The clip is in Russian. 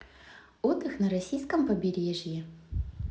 отдых на российском побережье